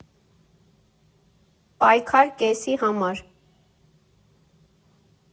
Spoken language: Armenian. Պայքար կեսի համար։